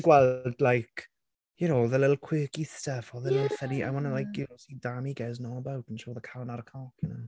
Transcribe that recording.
...gweld, like you know, the little quirky stuff, or the little funny... Ie! ...I want to like, you know, see Dami get his knob out and show the calon ar y coc you know?